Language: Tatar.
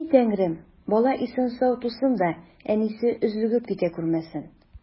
И Тәңрем, бала исән-сау тусын да, әнисе өзлегеп китә күрмәсен!